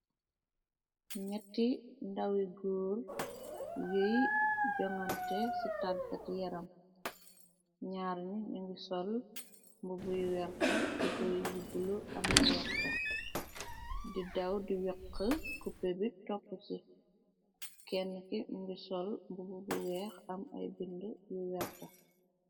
Nyetti ndawi goor yuy jongante ci tàggat yaram ñyaari ngi mingi sol mbu buy werta tubuy yi bulu am li werta di daw di weq cupe bi topp ci kenn ki mingi sol mbu bu bu weex am ay bind yu werta.